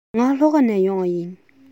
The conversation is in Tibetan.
ང ལྷོ ཁ ནས ཡོང པ ཡིན